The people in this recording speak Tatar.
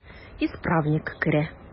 Исправник керә.